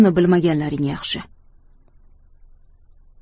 uni bilmaganlaring yaxshi